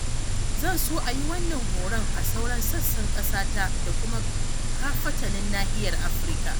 Zan so a yi wannan horon a sauran sassan ƙasata da kuma kafatanin nahiyar Afirka.